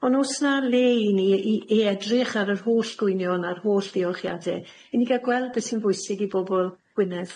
Ond o's na le i ni i i edrych ar yr holl gwyinion a'r holl diolchiade i ni ga'l gweld be' sy'n bwysig i bobol Gwynedd.